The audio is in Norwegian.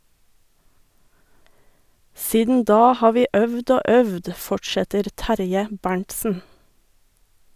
- Siden da har vi øvd og øvd, fortsetter Terje Berntsen.